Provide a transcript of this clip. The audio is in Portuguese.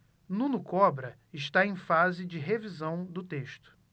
nuno cobra está em fase de revisão do texto